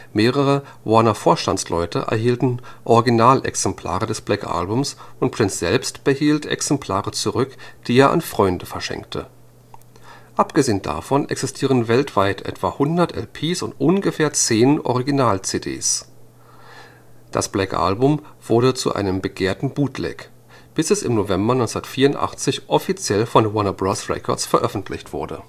Mehrere Warner-Vorstandsleute erhielten Originalexemplare des Black Album und Prince selbst behielt Exemplare zurück, die er an Freunde verschenkte. Abgesehen davon existieren weltweit etwa hundert LPs und ungefähr zehn Original-CDs. Das Black Album wurde zu einem begehrten Bootleg, bis es im November 1994 offiziell von Warner Bros. Records veröffentlicht wurde